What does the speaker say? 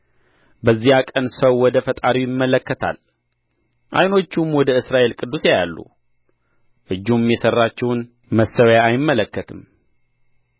በዚያ ቀን ሰው ወደ ፈጣሪው ይመለከታል ዓይኖቹም ወደ እስራኤል ቅዱስ ያያሉ እጁም የሠራችውን መሠዊያ አይመለከትም